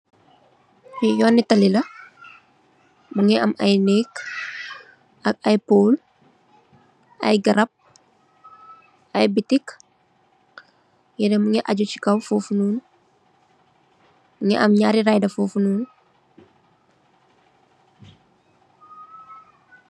Fi yooni tali la mu ngi am ay neek ak ay pol ay garap ay bitik yere mu nge aju ci kaw fofu mu ngi am nyarri raider fofu nonu.